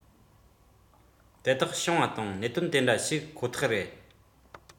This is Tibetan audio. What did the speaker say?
གནས ཚུལ དེ འདྲ བྱུང བ ཁོ ཐག ཡིན འདིའི ཐོག དུ